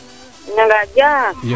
yunga jam